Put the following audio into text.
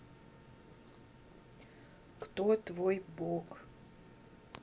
кто твой бог